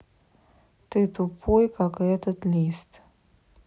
ты тупой как этот лист